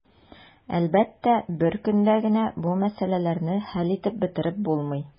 Әлбәттә, бер көндә генә бу мәсьәләләрне хәл итеп бетереп булмый.